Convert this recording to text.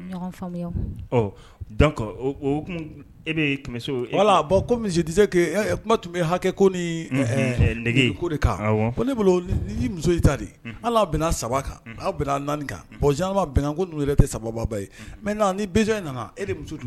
E wala misise kuma tun bɛ hakɛ ko nige ko de ne bolo muso di hali bɛn saba kan aw bɛn naani kan pzma bɛnkan ko n' yɛrɛ tɛ saba baba ye mɛ ni binz in nana e muso